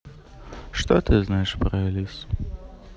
что ты знаешь про алису